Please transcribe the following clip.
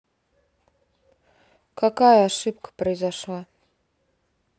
какая ошибка произошла